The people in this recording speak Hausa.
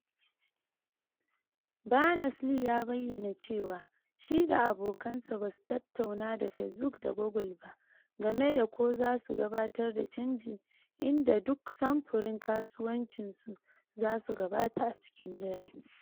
Berners-Lee ya bayyana cewa shi da abokansa ba su tatauna da "Facebook da Google ba game da ko za su gabatar da canji inda duk samfurin kasuwancin su za su gabata a cikin dare.